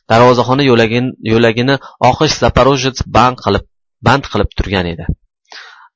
darvozaxona yo'lagini oqish zaporojets band qilib band qilib turar edi